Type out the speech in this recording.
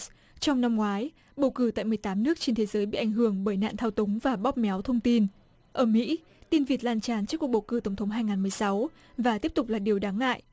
trong năm ngoái bầu cử tại mười tám nước trên thế giới bị ảnh hưởng bởi nạn thao túng và bóp méo thông tin ở mỹ tin vịt lan tràn trước cuộc bầu cử tổng thống hai ngàn mười sáu và tiếp tục là điều đáng ngại